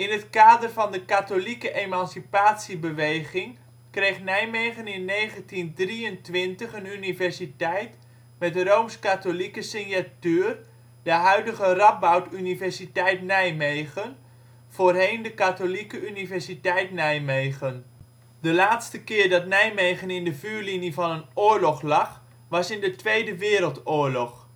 het kader van de katholieke emancipatiebeweging kreeg Nijmegen in 1923 een universiteit met rooms-katholieke signatuur, de huidige Radboud Universiteit Nijmegen (voorheen Katholieke Universiteit Nijmegen). De laatste keer dat Nijmegen in de vuurlinie van een oorlog lag, was in de Tweede Wereldoorlog